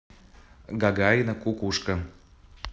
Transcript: гагарина кукушка